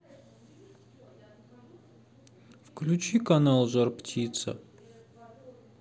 включи канал жар птица